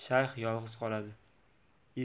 shayx yolg'iz qoladi